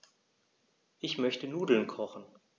Ich möchte Nudeln kochen.